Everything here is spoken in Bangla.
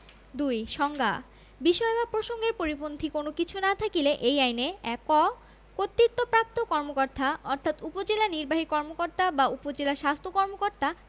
২ সংজ্ঞাঃ বিষয় বা প্রসংগের পরিপন্থী কোন কিছু না থাকিলে এই আইনেঃ ক কর্তৃত্তবপ্রাপ্ত কর্মকর্তা অর্থ উপজেলা নির্বাহী কর্মকর্তা বা উপজেলা স্বাস্থ্য কর্মকর্তা